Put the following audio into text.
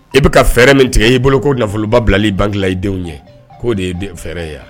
E bɛ ka fɛɛrɛ min tigɛ y'i bolo ko nafoloba bilali bangela i denw ɲɛ k'o de ye fɛrɛɛrɛ ye wa